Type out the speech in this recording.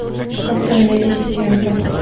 как поменять ассистента